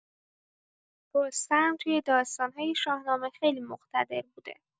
رستم توی داستان‌های شاهنامه خیلی مقتدر بوده.